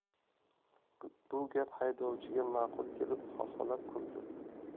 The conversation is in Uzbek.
bu gap haydovchiga ma'qul kelib xaxolab kuldi